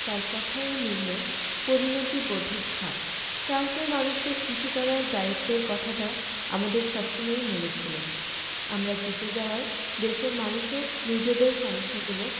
তাঁর কথায়ও মিলল পরিণতিবোধের ছাপ ফ্রান্সের মানুষকে খুশি করার দায়িত্বের কথাটা আমাদের সব সময়ই মনে ছিল আমরা জিতে যাওয়ায় দেশের মানুষও নিজেদের সমস্যাগুলো